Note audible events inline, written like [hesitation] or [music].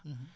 [hesitation] [hesitation]